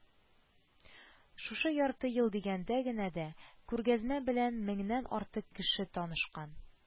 Шушы ярты ел дигәндә генә дә күргәзмә белән меңнән артык кеше танышкан